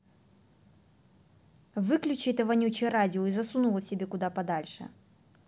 выключи это вонючее радио и засунула себе куда подальше